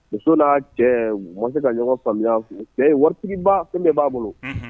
Muso' cɛ u ma se ka ɲɔgɔn faamuya cɛ waritigi fɛn b'a bolo